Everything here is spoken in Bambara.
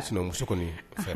Sinamuso kɔni fɛrɛ